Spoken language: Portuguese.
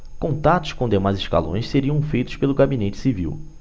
contatos com demais escalões seriam feitos pelo gabinete civil